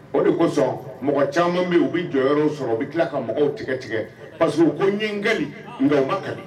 O de kosɔn mɔgɔ caman bɛ yen, u bɛ jɔyɔrɔw sɔrɔ, u bɛ tila ka mɔgɔw tigɛ tigɛ parce que ko n ye kali, an, nka u ma kali